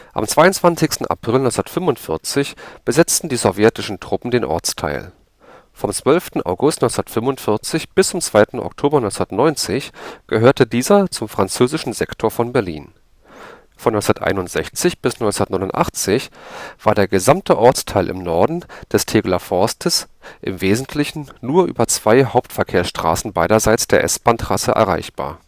22. April 1945 besetzten die sowjetischen Truppen den Ortsteil. Vom 12. August 1945 bis zum 2. Oktober 1990 gehörte dieser zum Französischen Sektor von Berlin. Von 1961 bis 1989 war der gesamte Ortsteil im Norden des Tegeler Forstes im Wesentlichen nur über zwei Hauptverkehrsstraßen beidseits der S-Bahn-Trasse erreichbar